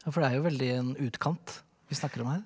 ja for det er jo veldig en utkant vi snakker om her.